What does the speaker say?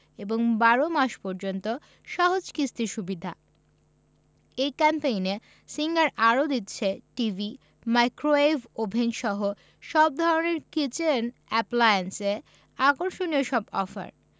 এবং ১২ মাস পর্যন্ত সহজ কিস্তি সুবিধা এই ক্যাম্পেইনে সিঙ্গার আরো দিচ্ছে টিভি মাইক্রোওয়েভ ওভেনসহ সব ধরনের কিচেন অ্যাপ্লায়েন্সে আকর্ষণীয় সব অফার